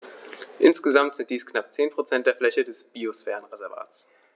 Insgesamt sind dies knapp 10 % der Fläche des Biosphärenreservates.